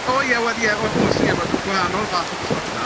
O ie, wel ie. O- oes, ie ma' gwahanol fath o bysgota.